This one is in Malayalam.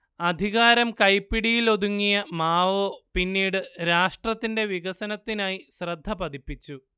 അധികാരം കൈപ്പിടിയിലൊതുങ്ങിയ മാവോ പിന്നീട് രാഷ്ട്രത്തിന്റെ വികസനത്തിനായി ശ്രദ്ധ പതിപ്പിച്ചു